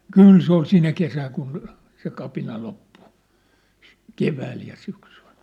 kyllä se oli sinä kesänä kun se kapina loppui keväällä ja syksyllä